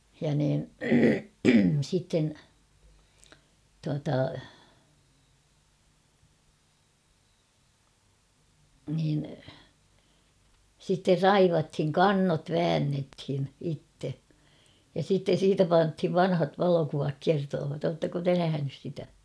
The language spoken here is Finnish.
ja niin sitten tuota niin sitten raivattiin kannot väännettiin itse ja sitten siitä pantiin vanhat valokuvat kertovat oletteko te nähnyt sitä